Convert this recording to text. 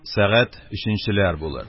Сәгать өченчеләр булыр.